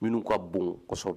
Minnu ka bon kɔsɔbɛ.